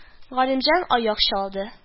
Галимҗан аяк чалды